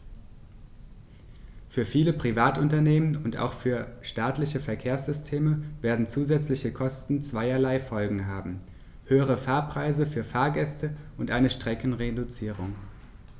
Für viele Privatunternehmen und auch für staatliche Verkehrssysteme werden zusätzliche Kosten zweierlei Folgen haben: höhere Fahrpreise für Fahrgäste und eine Streckenreduzierung.